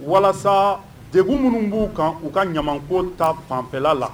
Walasa degun minnu b'u kan u ka ɲama ko ta fanfɛla la.